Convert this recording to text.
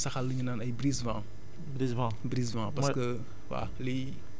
mais tamit bu dee da nga mën a bu dee mën nga saxal li ñu naan ay brise vent